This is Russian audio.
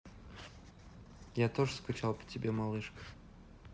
я тоже скучал по тебе малышка